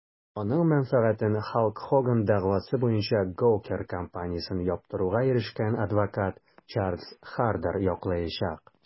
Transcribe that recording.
Аның мәнфәгатен Халк Хоган дәгъвасы буенча Gawker компаниясен яптыруга ирешкән адвокат Чарльз Хардер яклаячак.